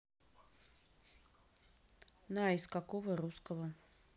на из какого русского